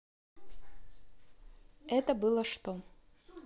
это было что